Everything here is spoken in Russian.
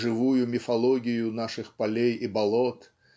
живую мифологию наших полей и болот